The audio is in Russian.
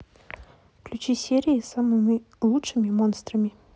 включи серии с самыми лучшими монстрами